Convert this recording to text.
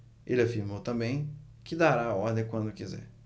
ele afirmou também que dará a ordem quando quiser